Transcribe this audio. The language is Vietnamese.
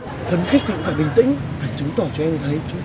phấn khích thì cũng phải bình tĩnh phải chứng tỏ cho em ấy